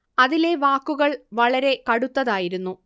അതിലെ വാക്കുകൾ വളരെ കടുത്തതായിരുന്നു